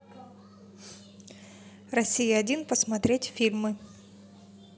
россия один посмотреть фильмы